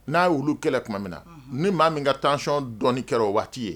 N'a y yeolu kɛlɛ tuma min na ni maa min ka taacɔn dɔɔni kɛra o waati ye